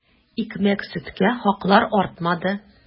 Икмәк-сөткә хаклар артмады.